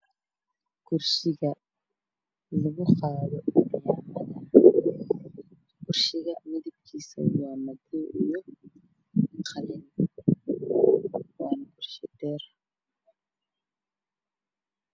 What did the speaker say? Kursiga lagu qaado curyaamada kursiga midabkiisu waa madow iyo qalin waana kursi dheer